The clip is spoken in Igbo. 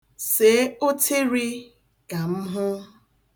See ụtịrị ka m hụ.